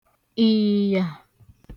ị̀yị̀yà